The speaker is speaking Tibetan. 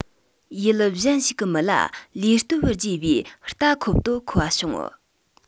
ཡུལ གཞན ཞིག གི མི ལ ལུས སྟོབས རྒྱས པའི རྟ ཁོབ ཏོ མཁོ བ བྱུང